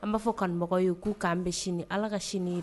An b'a fɔ ko kanubagaw ye k'u k'an bɛ sini ala ka sini ye